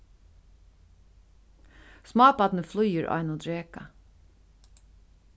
smábarnið flýgur á einum dreka